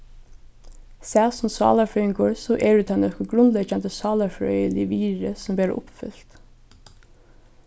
sæð sum sálarfrøðingur so eru tað nøkur grundleggjandi sálarfrøðilig virði sum verða uppfylt